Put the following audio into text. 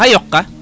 xana yoqa